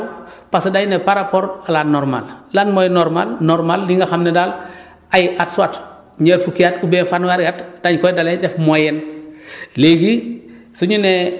mais météo du ne par rapport daaw parce que day ne par rapport à la normale lan mooy normal normal li nga xam ne daal ay at soit ñeent fukki at oubien fanweeri at dañ koy dalee def moyenne